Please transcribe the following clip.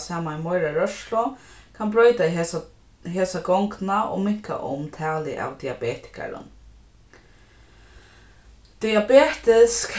saman við meira rørslu kann broyta hesa hesa gongdina og minka um talið av diabetikarum diabetisk